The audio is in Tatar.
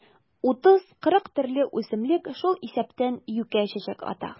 30-40 төрле үсемлек, шул исәптән юкә чәчәк ата.